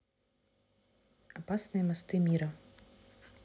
опасные мосты мира